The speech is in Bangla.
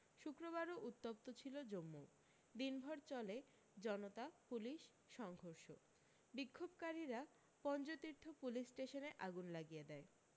শুক্রবারও উত্তপ্ত ছিল জমমু দিনভর চলে জনতা পুলিশ সংঘর্ষ বিক্ষোভকারীরা পঞ্জতীর্থ পুলিশ স্টেশনে আগুন লাগিয়ে দেয়